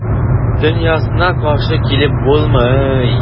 Дөньясына каршы килеп булмый.